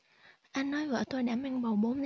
anh nói vợ tôi đã mang bầu bốn